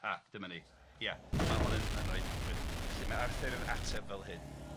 a dyma ni, ia, ma' hwn yn ma'n rhoid rei- felly ma' Arthur yn ateb fel hyn.